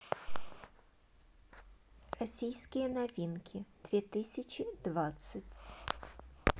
российские новинки две тысячи двадцать